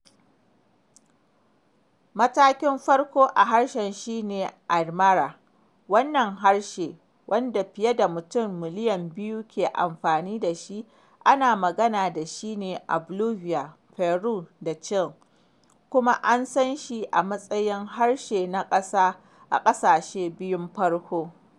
Matakin farko a harshe shi ne Aymara; wannan harshe, wanda fiye da mutum miliyan biyu ke amfani da shi, ana magana da shi a Bolivia, Peru da Chile kuma an san shi a matsayin harshe na ƙasa a ƙasashe biyun farko.